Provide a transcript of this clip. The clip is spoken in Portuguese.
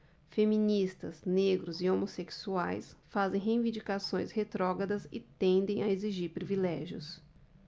feministas negros e homossexuais fazem reivindicações retrógradas e tendem a exigir privilégios